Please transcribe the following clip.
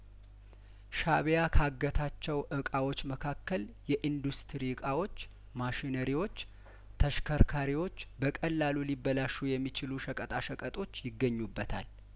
ሻእቢያ ካገታቸው እቃዎች መካከል የኢንዱስትሪ እቃዎች ማሽነሪዎች ተሽከርካሪዎች በቀላሉ ሊበላሹ የሚችሉ ሸቀጣ ሸቀጦች ይገኙበታል